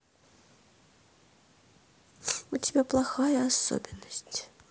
у тебя плохая особенность